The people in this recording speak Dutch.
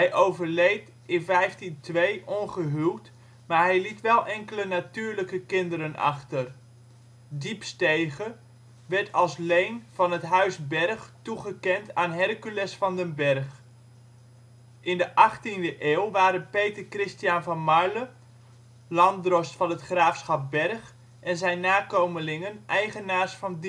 overleed in 1502 ongehuwd, maar hij liet wel enkele natuurlijke kinderen achter. Diepstege werd als leen van het Huis Bergh toegekend aan Hercules van den Bergh. In de 18e eeuw waren Peter Christiaen van Marle, landdrost van het Graafschap Bergh en zijn nakomelingen eigenaars van